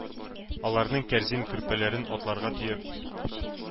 Аларның кәрзин, көрпәләрен, атларга төяп,